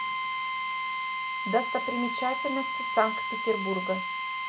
достопримечательности санкт петербурга